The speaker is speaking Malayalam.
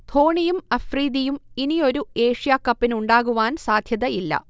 ധോണിയും അഫ്രിദിയും ഇനിയൊരു ഏഷ്യാ കപ്പിന് ഉണ്ടാകുവാൻ സാധ്യത ഇല്ല